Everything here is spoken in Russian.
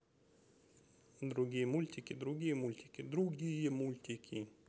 другие мультики другие мультики другие мультики